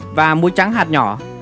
và muối trắng hạt nhỏ